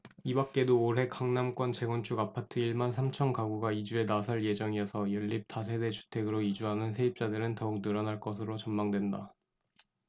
이밖에도 올해 강남권 재건축 아파트 일 만 삼천 가구가 이주에 나설 예정이어서 연립 다세대주택으로 이주하는 세입자들은 더욱 늘어날 것으로 전망된다